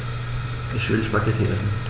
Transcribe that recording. Ich will Spaghetti essen.